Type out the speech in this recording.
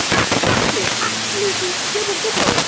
Na! Exactly! Absolutely dim o gwbl.